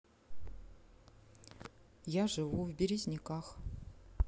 я живу в березниках